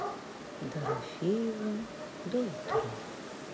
дорофеева до утра